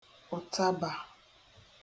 ụ̀tabà